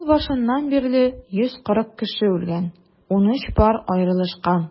Ел башыннан бирле 140 кеше үлгән, 13 пар аерылышкан.